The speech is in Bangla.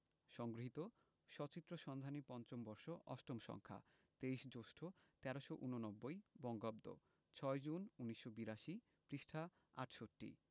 সংগৃহীত সচিত্র সন্ধানী৫ম বর্ষ ৮ম সংখ্যা ২৩ জ্যৈষ্ঠ ১৩৮৯ বঙ্গাব্দ/৬ জুন৮২ পৃষ্ঠাঃ ৬৮